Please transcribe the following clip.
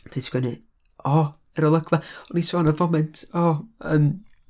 Dwi'n sgwennu, o, yr olygfa, o'n i sôn am foment, o, yym...